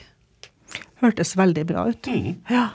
hørtes veldig bra ut ja.